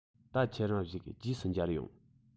ད ཁྱེད རང བཞུགས རྗེས སུ མཇལ ཡོང